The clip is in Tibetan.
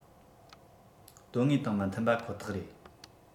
དོན དངོས དང མི མཐུན པ ཁོ ཐག རེད